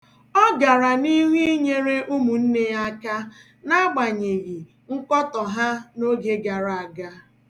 Ọ gara n'ihu inyere ụmụnne ya aka na agbanyeghị nkọtọ ha n'oge gara aga.